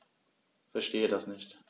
Verstehe das nicht.